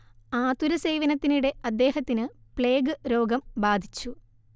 ആതുരസേവനത്തിനിടെ അദ്ദേഹത്തിന് പ്ലേഗ് രോഗം ബാധിച്ചു